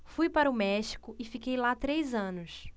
fui para o méxico e fiquei lá três anos